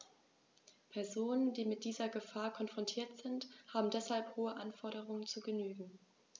Personen, die mit dieser Gefahr konfrontiert sind, haben deshalb hohen Anforderungen zu genügen.